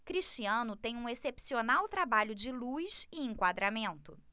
cristiano tem um excepcional trabalho de luz e enquadramento